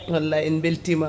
wallay en beltima